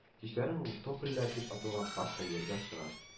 Кичләрен ул Топольләр дип аталган паркка йөргә чыга